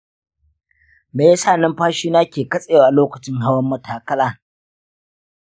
me ya sa numfashina ke katsewa lokacin hawan matakala?